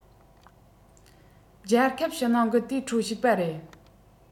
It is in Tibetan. རྒྱལ ཁབ ཕྱི ནང གི དེའི ཁྲོད ཞུགས པ རེད